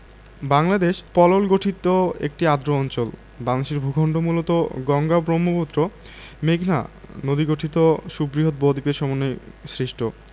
বাংলদেশ পলল গঠিত একটি আর্দ্র অঞ্চল বাংলাদেশের ভূখন্ড মূলত গঙ্গা ব্রহ্মপুত্র মেঘনা নদীগঠিত সুবৃহৎ বদ্বীপের সমন্বয়ে সৃষ্ট